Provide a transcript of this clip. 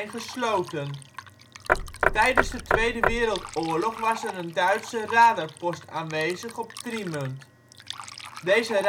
gesloten. Tijdens de Tweede Wereldoorlog was er een Duitse radarpost aanwezig op Trimunt. Deze radarpost